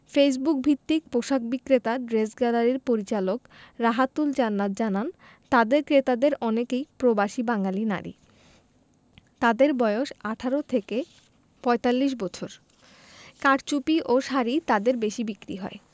ফেসবুকভিত্তিক পোশাক বিক্রেতা ড্রেস গ্যালারির পরিচালকরাহাতুল জান্নাত জানান তাঁদের ক্রেতাদের অনেকেই প্রবাসী বাঙালি নারী যাঁদের বয়স ১৮ থেকে ৪৫ বছর কারচুপি ও শাড়ি তাঁদের বেশি বিক্রি হয়